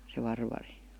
se Varvari